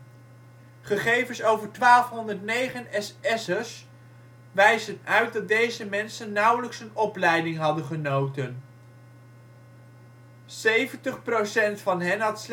Gegevens over 1209 SS'ers wijzen uit dat deze mensen nauwelijks een opleiding hadden genoten. Zeventig procent van hen had